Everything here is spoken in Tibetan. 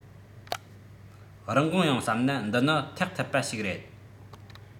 རིན གོང ཡང བསམ ན འདི ནི ཐེག ཐུབ པ ཞིག རེད